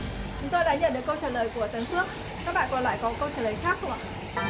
chúng tôi đã nhận được câu trả lời của tấn phước các bạn còn lại có câu trả lời khác không ạ